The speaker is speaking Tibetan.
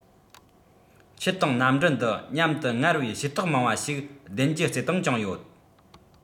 ཁྱེད དང གནམ གྲུ འདི མཉམ དུ སྔར བས ཤེས རྟོག མང བ ཞིག ལྡན གྱི བརྩེ དུང བཅངས ཡོད